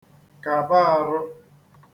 kàba arụ̄